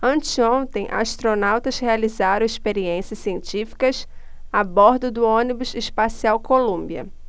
anteontem astronautas realizaram experiências científicas a bordo do ônibus espacial columbia